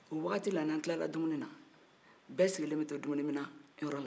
nin wagatila n'an tun tilala dumuni na bɛɛ sigilen bɛ to dumuniminɛn yɔrɔ la